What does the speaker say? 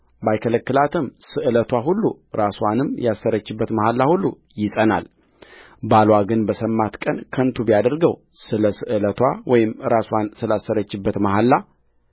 ባይከለክላትም ስእለትዋ ሁሉ ራስዋንም ያሰረችበት መሐላ ሁሉ ይጸናልባልዋ ግን በሰማበት ቀን ከንቱ ቢያደርገው ስለ ስእለትዋ ወይም ራስዋን ስላሰረችበት መሐላ